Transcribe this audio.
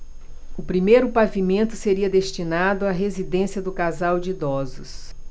o primeiro pavimento seria destinado à residência do casal de idosos